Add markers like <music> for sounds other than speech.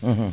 <hesitation> <hesitation>